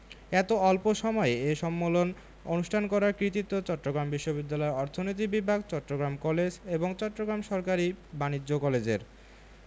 এত অল্প এ সম্মেলন অনুষ্ঠান করার কৃতিত্ব চট্টগ্রাম বিশ্ববিদ্যালয়ের অর্থনীতি বিভাগ চট্টগ্রাম কলেজ এবং চট্টগ্রাম সরকারি বাণিজ্য কলেজের